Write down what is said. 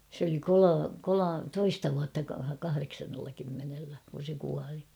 se oli -- toista vuotta kahdeksannella kymmenellä kun se kuoli